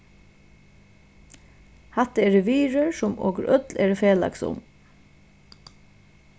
hatta eru virðir sum okur øll eru felags um